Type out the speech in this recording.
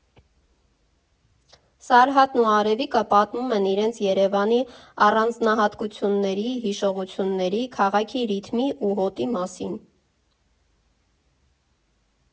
Սարհատն ու Արևիկը պատմում են իրենց Երևանի առանձնահատկությունների, հիշողությունների, քաղաքի ռիթմի ու հոտի մասին։